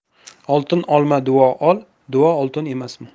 oltin olma duo ol duo oltin emasmi